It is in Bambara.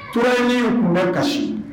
Tura min tun bɛ kasi